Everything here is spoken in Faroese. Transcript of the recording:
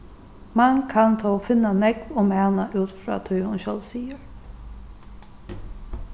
mann kann tó finna nógv um hana út frá tí hon sjálv sigur